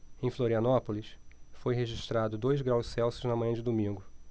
em florianópolis foi registrado dois graus celsius na manhã de domingo